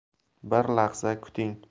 bir lahza kuting